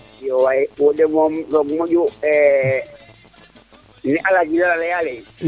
iyo waay den moom roog moƴu e ne Aladji Ndiaye a leya ley